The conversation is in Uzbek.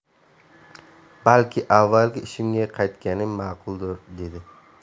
balki avvalgi ishimga qaytganim ma'quldir dedi